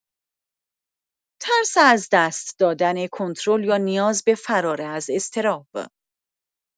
ترس از دست دادن کنترل یا نیاز به فرار از اضطراب